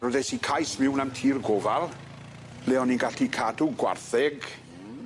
Roddes i cais miwn am tir gofal le o'n i'n gallu cadw gwartheg